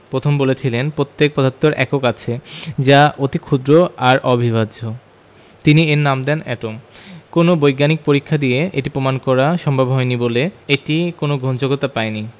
প্রথম বলেছিলেন প্রত্যেক পদার্থের একক আছে যা অতি ক্ষুদ্র আর অবিভাজ্য তিনি এর নাম দেন এটম কোনো বৈজ্ঞানিক পরীক্ষা দিয়ে এটি প্রমাণ করা সম্ভব হয়নি বলে এটি কোনো গ্রহণযোগ্যতা পায়নি